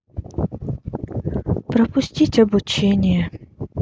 пропустить обучение